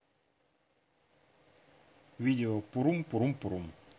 видео пурум пурум пурум